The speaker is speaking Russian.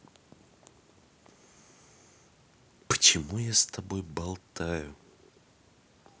почему я с тобой болтаю